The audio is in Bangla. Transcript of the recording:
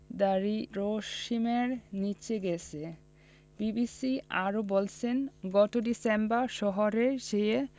দারিদ্র্যসীমার নিচে গেছে বিবিএস আরও বলছে গত ডিসেম্বরে শহরের চেয়ে